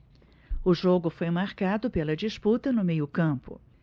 o jogo foi marcado pela disputa no meio campo